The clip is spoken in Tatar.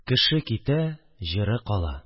Кеше китә – җыры кала